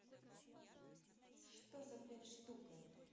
что за блядь штука